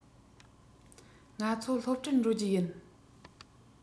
ང ཚོ སློབ གྲྭར འགྲོ རྒྱུ ཡིན